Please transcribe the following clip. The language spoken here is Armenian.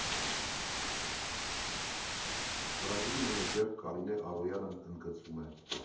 Ծրագրի մենեջեր Կարինե Արոյանն ընդգծում է.